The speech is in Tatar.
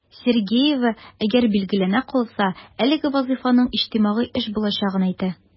Сергеева, әгәр билгеләнә калса, әлеге вазыйфаның иҗтимагый эш булачагын әйтә.